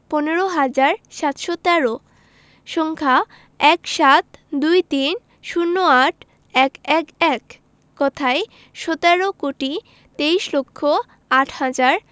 পনেরো হাজার সাতশো তেরো সংখ্যাঃ ১৭ ২৩ ০৮ ১১১ কথায়ঃ সতেরো কোটি তেইশ লক্ষ আট হাজার